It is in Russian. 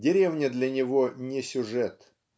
Деревня для него не сюжет.